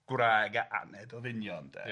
gwraig a aned o ddynion, 'de? Ia.